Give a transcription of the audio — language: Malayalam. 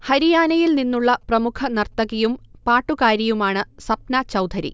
ഹരിയാനയിൽ നിന്നുള്ള പ്രമുഖ നർത്തകിയും പാട്ടുകാരിയുമാണ് സപ്ന ചൗധരി